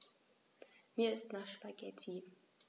Mir ist nach Spaghetti.